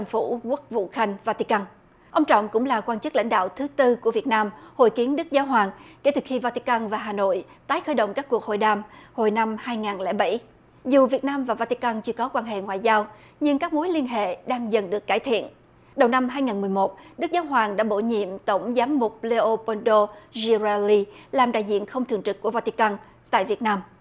phủ quốc vụ khanh va ti căng ông trọng cũng là quan chức lãnh đạo thứ tư của việt nam hội kiến đức giáo hoàng kể từ khi va ti căng và hà nội tái khởi động các cuộc hội đàm hồi năm hai ngàn lẻ bảy dù việt nam và va ti căng chỉ có quan hệ ngoại giao nhưng các mối liên hệ đang dần được cải thiện đầu năm hai ngàn mười một đức giáo hoàng đã bổ nhiệm tổng giám mục lê ô pôn đô zia re ni làm đại diện không thường trực của va ti căng tại việt nam